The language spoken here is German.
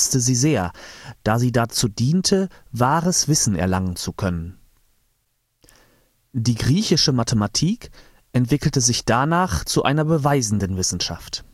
sie sehr, da sie dazu diente, wahres Wissen erlangen zu können. Die griechische Mathematik entwickelte sich danach zu einer beweisenden Wissenschaft